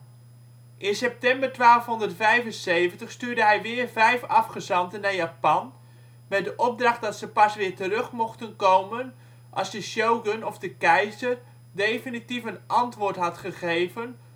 In september 1275 stuurde hij weer vijf afgezanten naar Japan, met de opdracht dat ze pas weer terug mochten komen als de Shogun of de keizer definitief een antwoord had gegeven